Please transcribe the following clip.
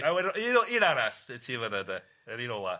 A wedyn o- un o- un arall i ti fan 'na de yr un ola.